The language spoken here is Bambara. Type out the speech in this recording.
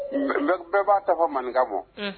Bɛɛ, bɛɛ b'a ta fɔ maninka ma